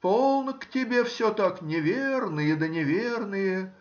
полно-ка тебе все так: неверные да неверные